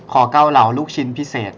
ขอเกาเหลาลูกชิ้นพิเศษ